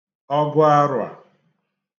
ọgụ arụ̀à